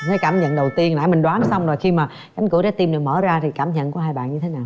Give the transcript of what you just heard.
nói cảm nhận đầu tiên nãy mình đoán xong rồi khi mà cánh cửa trái tim này mở ra thì cảm nhận của hai bạn như thế nào